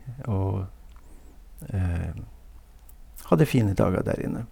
Og hadde fine dager der inne.